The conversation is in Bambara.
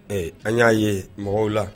Ɛɛ an y'a ye mɔgɔw la